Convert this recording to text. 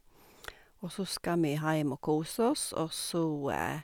Og så skal vi heim og kose oss, og så...